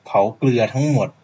เผาเกลือทั้งหมด